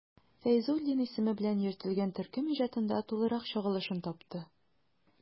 Фәйзуллин исеме белән йөртелгән төркем иҗатында тулырак чагылышын тапты.